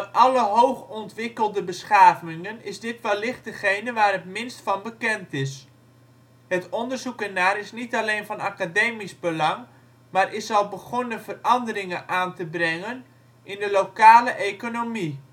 alle hoogontwikkelde beschavingen is dit wellicht degene waar het minst van bekend is. Het onderzoek ernaar is niet alleen van academisch belang maar is al begonnen veranderingen aan te brengen in de lokale economie